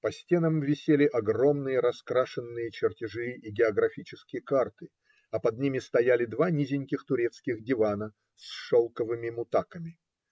По стенам висели огромные раскрашенные чертежи и географические карты, а под ними стояли два низеньких турецких дивана с шелковыми мутаками.